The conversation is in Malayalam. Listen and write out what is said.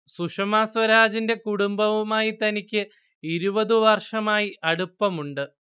സുഷമാ സ്വരാജിന്റെ കുടുംബവുമായി തനിക്ക് ഇരുപത് വർഷമായി അടുപ്പമുണ്ട്